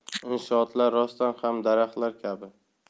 inshootlar rostan ham daraxtlar kabi